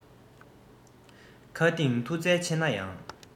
མཁའ ལྡིང མཐུ རྩལ ཆེ ན ཡང